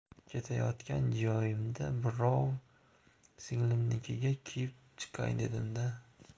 ketayotgan joyimda birrov singlimnikiga kirib chiqay dedim